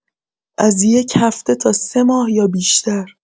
از یک هفته تا ۳ ماه یا بیشتر